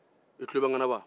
i tulo be n kan na wa